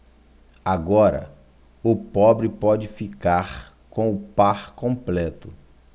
agora o pobre pode ficar com o par completo